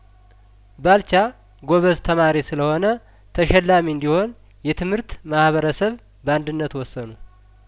ባልቻ ጐበዝ ተማሪ ስለሆነ ተሸላሚ እንዲሆን የትምህርት ማህበረሰብ በአንድነት ወሰኑ